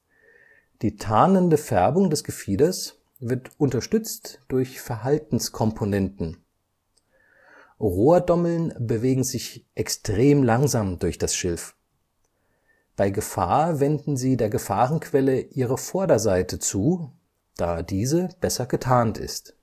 Die tarnende Färbung des Gefieders wird unterstützt durch Verhaltenskomponenten. Rohrdommeln bewegen sich extrem langsam durch das Schilf. Bei Gefahr wenden sie der Gefahrenquelle ihre Vorderseite zu, da diese besser getarnt ist